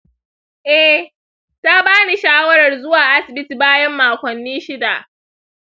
eh, ta ba ni shawarar zuwa asibiti bayan makonni shida.